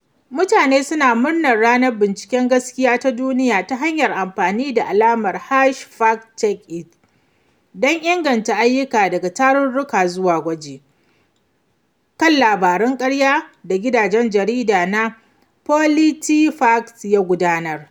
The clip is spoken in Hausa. Mutane suna murnar Ranar Binciken Gaskiya ta Duniya ta hanyar amfani da alamar #FactCheckIt don inganta ayyuka daga tarurruka zuwa gwaji kan labaran ƙarya da gidan jarida na PolitiFact ya gudanar.